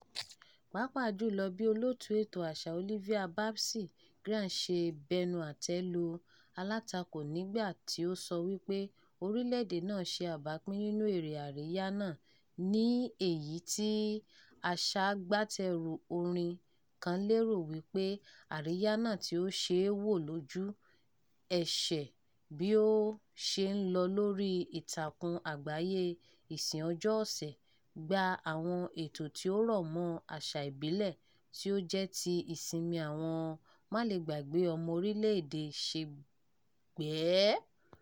Pàápàá jù lọ bí Olóòtú Ètò Àṣà Olivia "Babsy" Grange ṣe bẹnu-àtẹ́ lu àwọn alátakò nígbà tí ó sọ wípé orílẹ̀ èdè náà ṣe àbápín nínú èrè àríyá náà, ní èyí tí aṣagbátẹrù orin kan lérò wípé àríyá náà tí ó ṣe é wò lójú ẹsẹ̀ bí ó ṣe ń lọ lóríi ìtakùn àgbáyée Ìsìn Ọjọ́ Ọ̀sẹ̀, "gba" àwọn ètò tí ó rọ̀ mọ́ àṣà ìbílẹ̀ tí ó jẹ́ ti Ìsinmi àwọn Málegbàgbé Ọmọ orílẹ̀ èdè sẹ́gbẹ̀ẹ́.